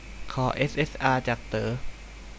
ขอเอสเอสอาจากเต๋อ